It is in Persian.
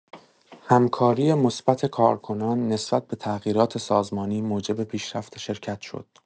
همکاری مثبت کارکنان نسبت به تغییرات سازمانی، موجب پیشرفت شرکت شد.